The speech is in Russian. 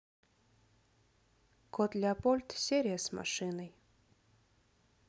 кот леопольд серия с машиной